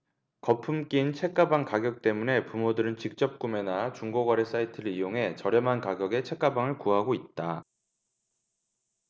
거품 낀 책가방 가격 때문에 부모들은 직접구매나 중고거래 사이트를 이용해 저렴한 가격에 책가방을 구하고 있다